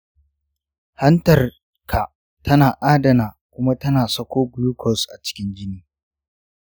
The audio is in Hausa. hantar ka tana adana kuma tana sako glucose a cikin jini.